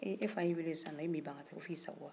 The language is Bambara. eh e fa i wele sisan e m'i ban ka taa ko f'i sago wa